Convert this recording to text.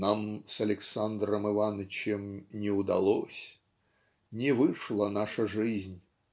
"нам с Александром Иванычем не удалось. не вышла наша жизнь".